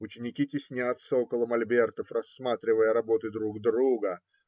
Ученики теснятся около мольбертов, рассматривая работы друг друга.